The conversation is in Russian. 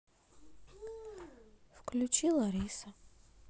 включи лариса